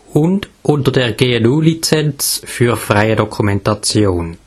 unter der GNU Lizenz für freie Dokumentation